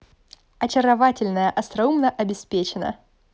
очаровательная остроумно обеспечена